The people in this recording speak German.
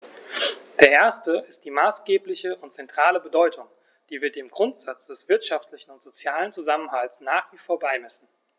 Der erste ist die maßgebliche und zentrale Bedeutung, die wir dem Grundsatz des wirtschaftlichen und sozialen Zusammenhalts nach wie vor beimessen.